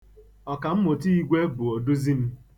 Ọkm. Igwe bụ oduzi m.